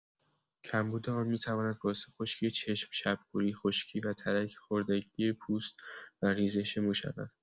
کمبود آن می‌تواند باعث خشکی چشم، شب‌کوری، خشکی و ترک‌خوردگی پوست و ریزش مو شود.